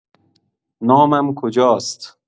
نامم کجاست!